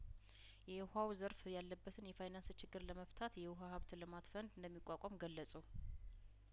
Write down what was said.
የውሀው ዘርፍ ያለበትን የፋይናንስ ችግር ለመፍታት የውሀ ሀብት ልማት ፈንድ እንደሚቋቋም ገለጹ